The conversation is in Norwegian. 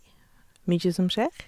Mye som skjer.